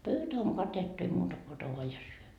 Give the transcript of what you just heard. pöytä on katettu ei muuta kuin ota vain ja syö